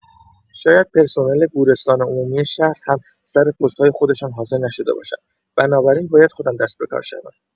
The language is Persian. شاید پرسنل گورستان عمومی شهر هم‌سر پست‌های خودشان حاضر نشده باشند، بنابراین باید خودم دست به کار شوم.